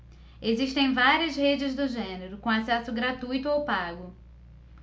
existem várias redes do gênero com acesso gratuito ou pago